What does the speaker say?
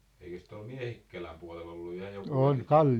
eikös tuolla Miehikkälän puolella ollut ja joku lasitehdas